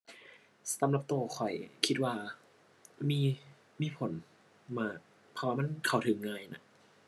สำหรับตัวข้อยคิดว่า มี มีผลมาก เพราะว่ามันเข้าถึงง่ายน่ะ